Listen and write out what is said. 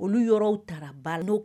Olu yɔrɔ taara baaraw